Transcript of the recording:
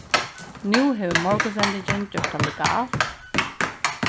nú hevur morgunsendingin gjørt tað legalt